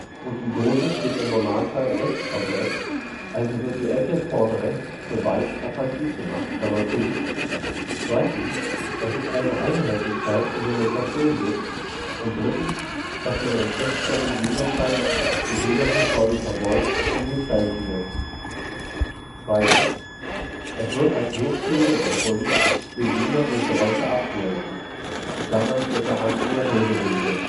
und die Dose steht im Normalfall rechts vom Brett, also wird die Ecke vorne rechts für Weiß attraktiv gemacht), zweitens, dass es eine Einheitlichkeit in der Notation gibt, und drittens, dass man Respekt vor dem Gegner zeigt, indem man sich vor ihm „ verbeugt “, um den Stein zu setzen. Es wird als sehr störend empfunden, den Gegner durch Geräusche abzulenken (mit der Hand in der Dose rühren